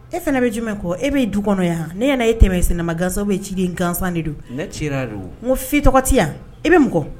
E fana bɛ jummɛ kɔ e bɛ du kɔnɔ yan ne nana e tɛmɛ sinaman gansow bɛ ci gansan de don ko fi tɔgɔti yan i bɛ mɔgɔ